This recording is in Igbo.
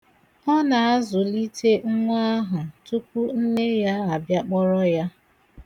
Ọ na-azụlite nwa ahụ tupu nne ya abịa kpọrọ ya.